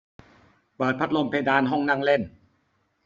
เปิดพัดลมเพดานห้องนั่งเล่น